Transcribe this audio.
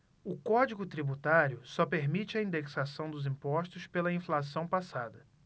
o código tributário só permite a indexação dos impostos pela inflação passada